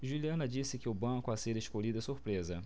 juliana disse que o banco a ser escolhido é surpresa